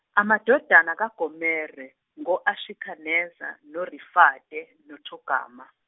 amadodana kaGomere ngo Ashikeneza, noRifate, noThogarma.